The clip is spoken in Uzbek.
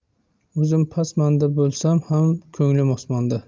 o'zim pasmanda bo'lsam ham ko'nglim osmonda